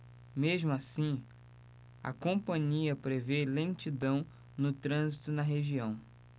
mesmo assim a companhia prevê lentidão no trânsito na região